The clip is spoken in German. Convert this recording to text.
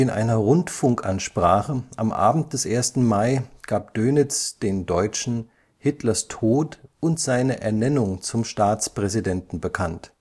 einer Rundfunkansprache am Abend des 1. Mai gab Dönitz den Deutschen Hitlers Tod und seine Ernennung zum Staatspräsidenten bekannt